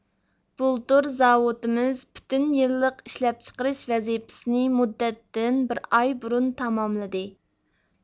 بۇلتۇر زاۋۇتىمىز پۈتۈن يىللىق ئىشلەپچىقىرىش ۋەزىپىسىنى مۇددەتتىن بىر ئاي بۇرۇن تاماملىدى